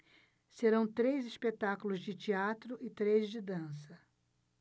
serão três espetáculos de teatro e três de dança